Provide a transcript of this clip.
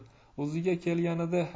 o'ziga kelganida